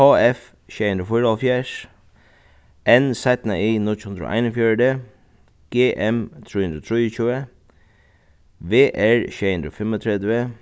h f sjey hundrað og fýraoghálvfjerðs n y níggju hundrað og einogfjøruti g m trý hundrað og trýogtjúgu v r sjey hundrað og fimmogtretivu